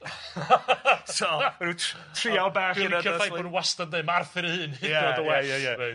So, ryw tr- trial bach... Dwi'n licio'r faith bo' nw wastod 'n ddeu ma' Arthur ei hun hyd yn oed yn well. Ie ie ie ie reit.